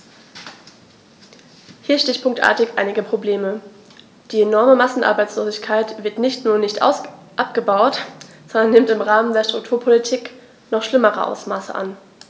Hier stichpunktartig einige Probleme: Die enorme Massenarbeitslosigkeit wird nicht nur nicht abgebaut, sondern nimmt im Rahmen der Strukturpolitik noch schlimmere Ausmaße an.